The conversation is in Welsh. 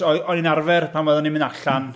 O'n i'n arfer, pan oeddwn i'n mynd allan.